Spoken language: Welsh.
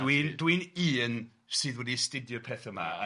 Na ti. Dwi'n dwi'n un sydd wedi astudio'r peth yma.